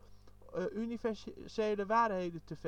universele waarheden te vestigen